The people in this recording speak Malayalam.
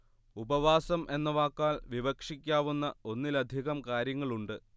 ഉപവാസം എന്ന വാക്കാൽ വിവക്ഷിക്കാവുന്ന ഒന്നിലധികം കാര്യങ്ങളുണ്ട്